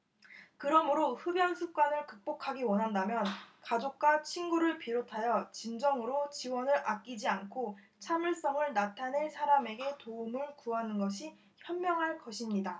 그러므로 흡연 습관을 극복하기 원한다면 가족과 친구를 비롯하여 진정으로 지원을 아끼지 않고 참을성을 나타낼 사람에게 도움을 구하는 것이 현명할 것입니다